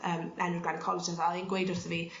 yym enw'r gynecologist fel o'dd e'n gweud wrtho fi